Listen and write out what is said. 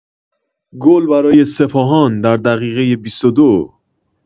گل برای سپاهان در دقیقه ۲۲